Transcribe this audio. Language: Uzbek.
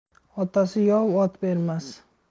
otasi yov ot bermas